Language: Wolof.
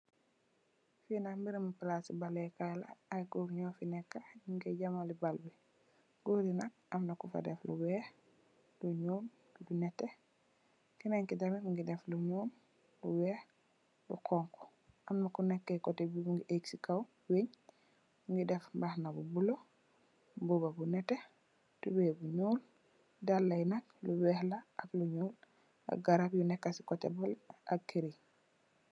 Fi nak mbrëbi palasi baal lekaay la ay goor nyufi neka nyunge damali baal bi. Goor yi nak amna nyufa def lu weex, lu nuul, lu nete. Kenenki tamid mungi def lu ñuul, lu weex, lu xonxo, amna kunekee coteh bi mungi eek ci kaw wuñ, mungi def mbaxana bu bulo, mboba bu nete, tubey bu ñuul, dalla yi nak lu weex la ak lu ñuul am garap yu neka ci coteh bi ak ay keur.